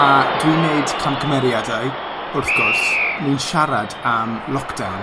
a dwi'n neud camgymeriadau, wrth gwrs. Ni'n siarad am lockdown.